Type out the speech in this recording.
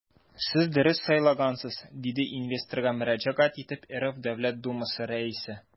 Сез дөрес сайлагансыз, - диде инвесторга мөрәҗәгать итеп РФ Дәүләт Думасы Рәисе.